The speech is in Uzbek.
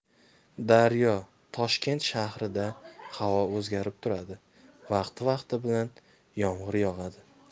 daryo toshkent shahrida havo o'zgarib turadi vaqti vaqti bilan yomg'ir yog'adi